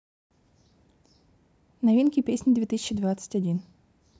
новинки песни две тысячи двадцать один